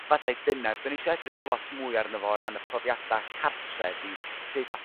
'fallai dyne 'dyn ni sio edrych lot mwy arno fo o ran y profiada' cartre ydi sud 'all